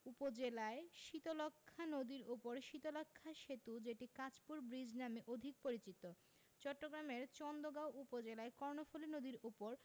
উপজেলায় শীতলক্ষ্যা নদীর উপর শীতলক্ষ্যা সেতু যেটি কাঁচপুর ব্রীজ নামে অধিক পরিচিত চট্টগ্রামের চন্দগাঁও উপজেলায় কর্ণফুলি নদীর উপর